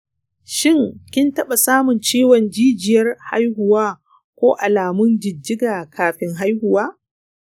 shin, kin taɓa samun ciwon jijiyar haihuwa ko alamun jijjiga kafin haihuwa?